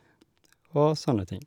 Og sånne ting.